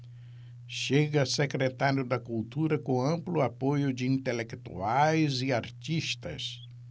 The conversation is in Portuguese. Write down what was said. chega a secretário da cultura com amplo apoio de intelectuais e artistas